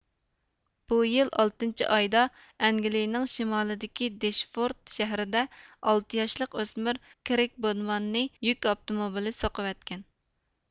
بۇ يىل ئالتىنچى ئايدا ئەنگىلىيىنىڭ شىمالىدىكى دىشفورت شەھىرىدە ئالتە ياشلىق ئۆسمۈر كىركبودماننى يۈك ئاپتوموبىلى سوقۇۋەتكەن